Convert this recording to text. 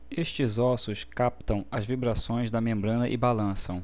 estes ossos captam as vibrações da membrana e balançam